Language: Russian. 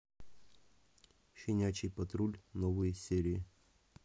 щенячий патруль новые серии